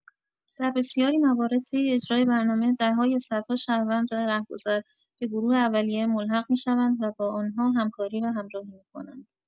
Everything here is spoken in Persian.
در بسیاری موارد، طی اجرای برنامه ده‌ها یا صدها شهروند رهگذر به گروه اولیه ملحق می‌شوند و با آنها همکاری و همراهی می‌کنند.